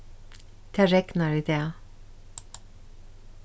tað regnar í dag